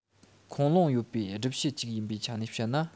ཁུངས ལུང ཡོད པའི སྒྲུབ བྱེད ཅིག ཡིན པའི ཆ ནས བཤད ན